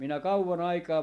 minä kauan aikaa